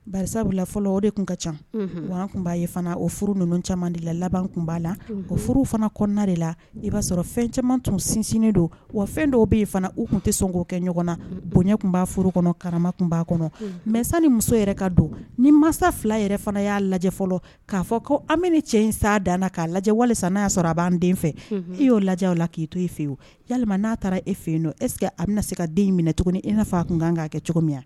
Ba fɔlɔ o de tun ka ca wa an tun b'a ye fana o furu ninnu caman de la laban tun b'a la o furu fana kɔnɔna de la i b'a sɔrɔ fɛn caman tun sinsinnen don wa fɛn dɔw bɛ fana u tun tɛ sɔn k'o kɛ ɲɔgɔn na bonya tun b' furu kɔnɔ karama tun b'a kɔnɔ mɛ san ni muso yɛrɛ ka don ni mansa fila yɛrɛ fana y'a lajɛ fɔlɔ k'a fɔ ko an bɛ cɛ in san dan k'a lajɛ wali n'a y'a sɔrɔ a b'an den fɛ i y'o lajɛ o la k'i to e fewu ya n'a taara e fɛ yen don esseke a bɛna na se ka den minɛ cogo i n'a a tun kan' aa kɛ cogo min